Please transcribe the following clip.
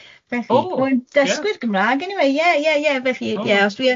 Felly... O!... Ma' dysgwr Cymrâg anyway, ie, ie, ie, felly... O... Ie, os dwi yn